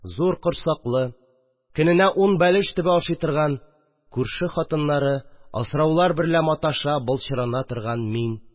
Зур корсаклы, көненә ун бәлеш төбе ашый торган, күрше хатыннары, асраулар берлә маташа, былчырана торган мин